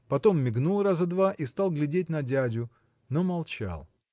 потом мигнул раза два и стал глядеть на дядю но молчал.